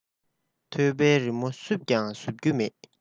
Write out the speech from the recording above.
ཐོད པའི རི མོ བསུབས ཀྱང ཟུབ རྒྱུ མེད